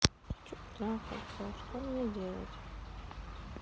хочу трахаться что мне делать